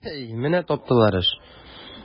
Менә таптылар эш!